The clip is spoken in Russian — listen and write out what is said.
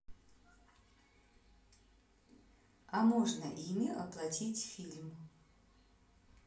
а можно ими оплатить фильм